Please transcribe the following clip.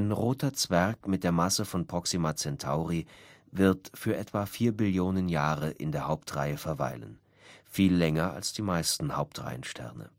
roter Zwerg mit der Masse von Proxima Centauri wird für etwa 4 Billionen Jahre in der Hauptreihe verweilen, viel länger als die meisten Hauptreihensterne